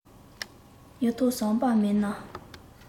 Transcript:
གཡུ ཐོག ཟམ པ མེད ན